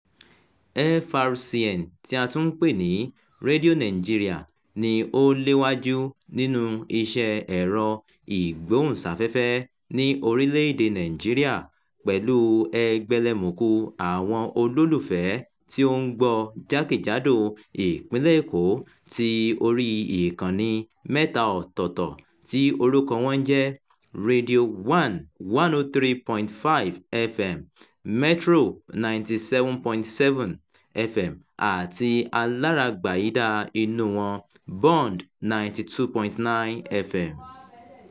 FRCN — tí a tún ń pè ní Radio Nigeria — ni ó léwájú nínúu iṣẹ́ẹ ẹ̀rọ-ìgbóhùnsáfẹ́fẹ́ ní orílẹ̀-èdèe Nàìjíríà, pẹ̀lú ẹgbẹlẹmùkù àwọn olólùfẹ́ tí ó ń gbọ́ ọ jákèjádò Ìpínlẹ̀ Èkó th oríi ìkànnì mẹ́ta ọ̀tọ̀ọ̀tọ̀, tí orúkọ wọ́n jẹ́: Radio One 103.5 FM, Metro 97.7 FM àti aláràa gbàyídá inúu wọn Bond 92.9 FM.